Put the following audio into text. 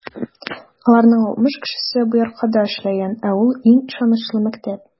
Аларның алтмыш кешесе Бояркада эшләгән, ә ул - иң ышанычлы мәктәп.